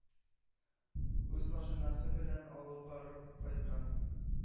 Үз машинасы белән алып барып кайткан.